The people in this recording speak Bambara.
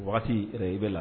O wagati yɛrɛ i bɛ la